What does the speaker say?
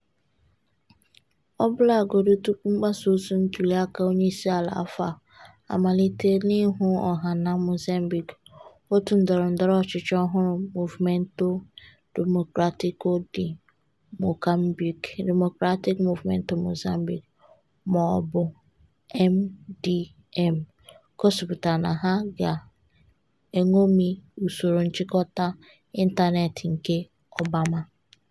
Ọbụlagodi tupu mgbasaozi ntuliaka onyeisiala afọ a amalite n'ihu ọha na Mozambique, otu ndọrọndọrọ ọchịchị ọhụrụ Movimento Democrático de Moçambique (Democratic Movement of Mozambique, or MDM) gosipụtara na ha ga-eṅomi usoro nchịkọta ịntaneetị nke "Obama".